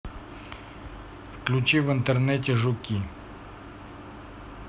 включи в интернете жуки